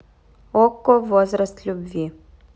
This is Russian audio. okko возраст любви